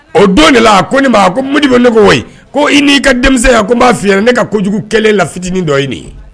O don de la ko nin ko modi bɛ ne ko i n'i ka denmisɛnya ko n b'a fɔi ye ne ka kojugu kɛlen la fitinin dɔ ye nin